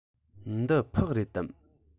འདི ཕག རེད དམ